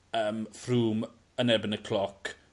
yym Froome yn erbyn y cloc.